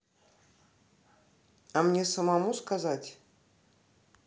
а мне самому сказать